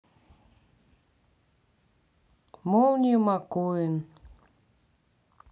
молния маккуин